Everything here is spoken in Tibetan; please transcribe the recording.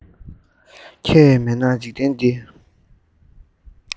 ཁྱེད མེད ན འཇིག རྟེན འདི